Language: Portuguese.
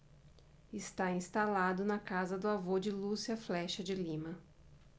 está instalado na casa do avô de lúcia flexa de lima